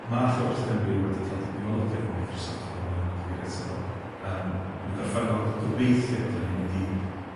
Ma' Llywodreth Cymru wedi ca'l dipyn o lwc efo Microsoft, fel o'n i'n cyfeirio ato fo, yym, yn y gorffennol, gobeithio bod hynny'n mynd i